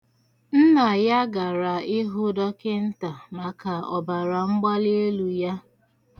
Nna ya gara ịhụ dọkịnta maka ọbaramgbalielu ya.